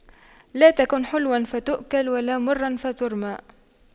لا تكن حلواً فتؤكل ولا مراً فترمى